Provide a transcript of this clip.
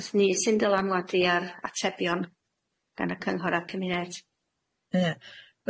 Os ni sy'n dylanwadu ar atebion gan y cynghora cymuned. Ie.